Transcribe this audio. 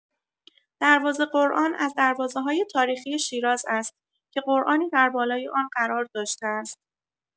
دروازه قرآن از دروازه‌های تاریخی شیراز است که قرآنی در بالای آن قرار داشته است.